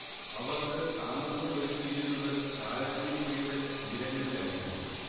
അവർക്ക് താമസം ഒരുക്കിയിരുന്നത് ചാലക്കുടിപ്പുഴയുടെ തീരങ്ങളിലായിരുന്നു